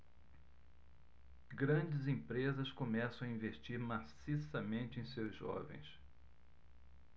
grandes empresas começam a investir maciçamente em seus jovens